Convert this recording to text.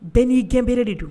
Bɛɛ n'i gɛnbeleere de don